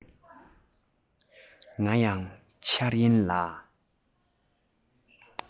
ང ཡང འཆར ཡན ལ